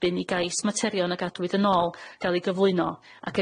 erbyn i gais materion a gadwyd yn ôl ga'l ei gyflwyno ac